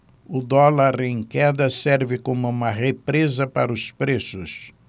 o dólar em queda serve como uma represa para os preços